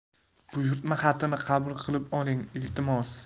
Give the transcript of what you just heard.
buyurtma xatni qabul qilib oling iltimos